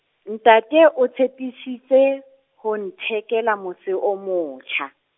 ntate o tshepisitse, ho nthekela mose o motjha.